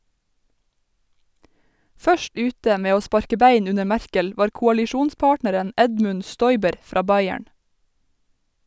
Først ute med å sparke bein under Merkel var koalisjonspartneren Edmund Stoiber fra Bayern.